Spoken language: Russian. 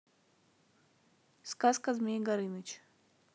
сказка змей горыныч